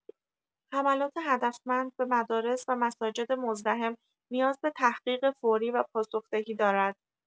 حملات هدفمند به مدارس و مساجد مزدحم نیاز به تحقیق فوری و پاسخ‌دهی دارد.